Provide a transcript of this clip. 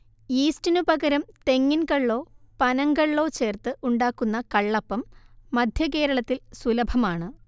യീസ്റ്റിനു പകരം തെങ്ങിൻ കള്ളോ പനങ്കള്ളോ ചേർത്ത് ഉണ്ടാക്കുന്ന കള്ളപ്പം മധ്യകേരളത്തിൽ സുലഭമാണ്